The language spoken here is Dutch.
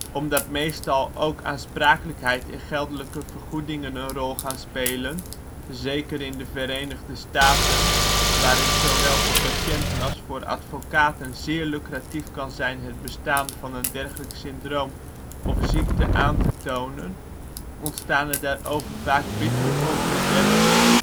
Omdat meestal ook aansprakelijkheid en geldelijke vergoedingen een rol gaan spelen, zeker in de Verenigde Staten, waar het zowel voor patiënten als voor advocaten zeer lucratief kan zijn het bestaan van een dergelijk syndroom of ziekte aan te tonen ontstaan er daarover vaak bittere controverses. De klachten